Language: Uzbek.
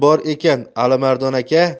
bor ekan alimardon aka